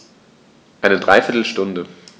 Eine dreiviertel Stunde